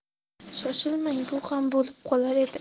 shoshilmang bu ham bo'lib qolar dedi